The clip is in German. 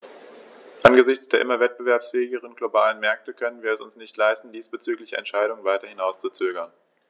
Angesichts der immer wettbewerbsfähigeren globalen Märkte können wir es uns nicht leisten, diesbezügliche Entscheidungen weiter hinauszuzögern.